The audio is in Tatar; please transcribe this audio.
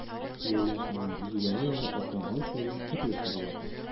Ләлә ханым: җибәрәләр атна-ай саен төрле чараларга.